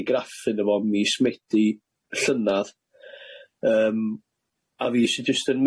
i graffu arno fo mis Medi y llynadd yym a fi sy jyst yn